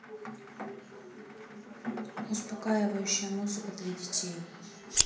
успокаивающая музыка для детей